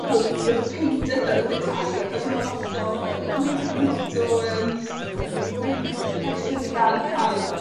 portrait painter fel petai achos ma' lot o ma' ma' lot o yym o pressure i ga'l i ca'l